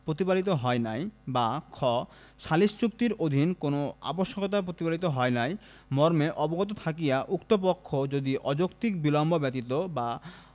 প্রতিপালিত হয় নাই বা খ সালিস চুক্তির অধীন কোন আবশ্যকতা প্রতিপালিত হয় নাই মর্মে অবগত থাকিয়া উক্ত পক্ষ যদি অযৌক্তিক বিলম্ব ব্যতীত বা